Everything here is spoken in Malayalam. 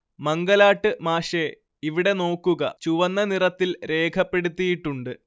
മംഗലാട്ട് മാഷെ ഇവിടെ നോക്കുക ചുവന്ന നിറത്തിൽ രേഖപ്പെടുത്തിയിട്ടുണ്ട്